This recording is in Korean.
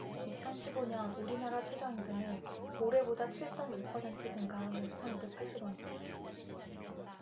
이천 십 오 년 우리나라 최저임금은 올해보다 칠 쩜 일 퍼센트 증가한 오천 오백 팔십 원이다